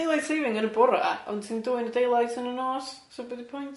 Ia, daylight saving yn y bora ond ti'n dwyn y daylight yn y nos, so be di point?